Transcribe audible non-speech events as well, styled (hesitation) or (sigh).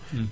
(hesitation)